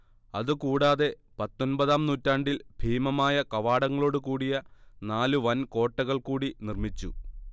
അത് കൂടാതെ പത്തൊമ്പതാം നൂറ്റാണ്ടിൽ ഭീമമായ കവാടങ്ങളോട് കൂടിയ നാല് വൻ കോട്ടകൾ കൂടി നിർമിച്ചു